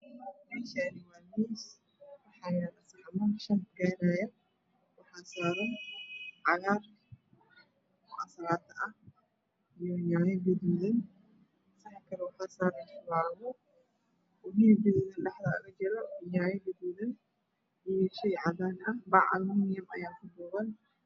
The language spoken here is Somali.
Meeshaan waa miis waxaa yaalo saxaman shan gaarayo waxaa saaran cagaar cansalaato ah iyo yaanyo gaduud ah saxankana waxaa saaran ansalaato midab gaduudan dhexda oga jiro yaanyo gaduud iyo shay cadaan ah bac ayaa kuduuban.